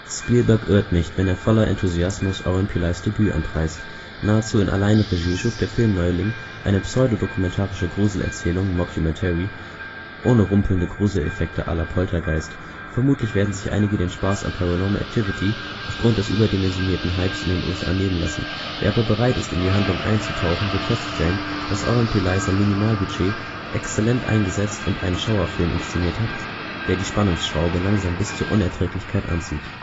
Spielberg irrt nicht, wenn er voller Enthusiasmus Oren Pelis Debüt anpreist. Nahezu in Alleinregie schuf der Filmneuling eine pseudodokumentarische Gruselerzählung (Mockumentary) ohne rumpelnde Gruseleffekte à la „ Poltergeist “. Vermutlich werden sich einige den Spaß an „ Paranormal Activity “aufgrund des überdimensionierten Hypes in den USA nehmen lassen – wer aber bereit ist, in die Handlung einzutauchen, wird feststellen, dass Oren Peli sein Minimalbudget exzellent eingesetzt und einen Schauerfilm inszeniert hat, der die Spannungsschraube langsam bis zur Unerträglichkeit anzieht